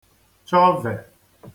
chọve